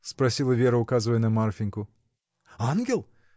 — спросила Вера, указывая на Марфиньку. — Ангел!